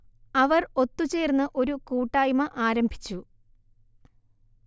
അവർ ഒത്തു ചേർന്ന് ഒരു കൂട്ടായ്മ ആരംഭിച്ചു